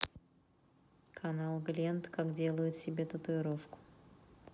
канал глент как делают себе татуировку